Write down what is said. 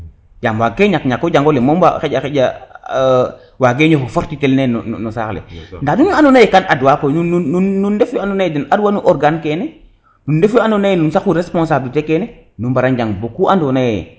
yaam waag ke ñak ñako jangole moom xaƴa xaƴa wage ñofo forti tel no sax le nda nuun we ando naye kan adwa koy nuun nuun ndef we ando naye den ad wanu organe kene nunn saqu responsabliter kene nu mbara njang bo ku ando naye